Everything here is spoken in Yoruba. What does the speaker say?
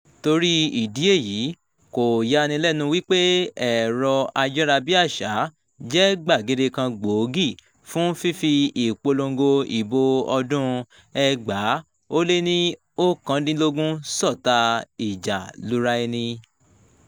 Torí ìdí èyí, kò yanilẹ́nu wípé ẹ̀rọ ayárabíàṣá jẹ́ gbàgede kan gbòógì fún fífi ìpolongo ìbò ọdún-un 2019 sọta ìjà lura ẹni.